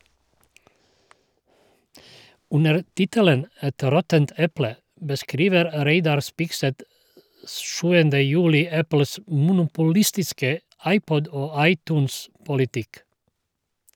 Under tittelen «Et råttent eple» beskriver Reidar Spigseth 7. juli Apples monopolistiske iPod- og iTunes-politikk.